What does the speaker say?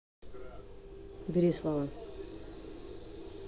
убери слава